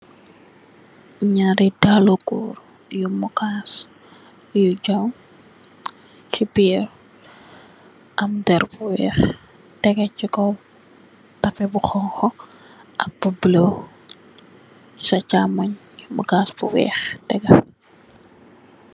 Nyari dallu goor yu mukass yu jaw se birr am derr bu weex tegeh se kaw tapeh bu xonxo ak bu bulo sa chamung mukass bu weex tegeh.